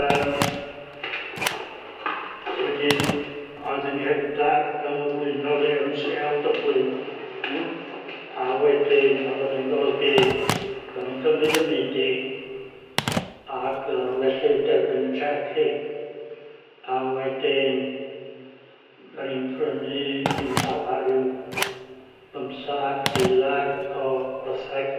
Yym wedyn o'dd yn nghefndar yn nghyflwyno i i em see el Dublin a wedyn o'dd hynny'n golygu o'ddan n'w'n cymryd hynny ag o'ddan n'w'n felly'n derbyn fy siec i a wedyn o'n i'n prynu dim llawar ryw bymthag ddeuddag o wartheg